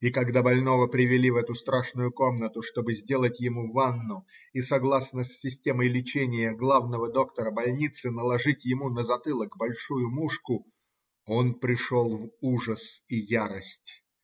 И когда больного привели в эту страшную комнату, чтобы сделать ему ванну и, согласно с системой лечения главного доктора больницы, наложить ему на затылок большую мушку, он пришел в ужас и ярость.